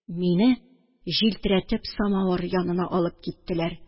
Мине җилтерәтеп самавыр янына алып киттеләр